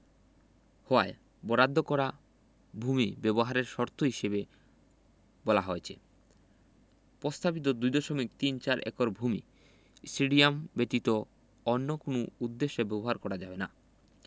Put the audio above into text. হওয়ায় বরাদ্দ করা ভূমি ব্যবহারের শর্ত হিসেবে বলা হয়েছে প্রস্তাবিত ২ দশমিক তিন চার একর ভূমি স্টেডিয়াম ব্যতীত অন্য কোনো উদ্দেশ্যে ব্যবহার করা যাবে না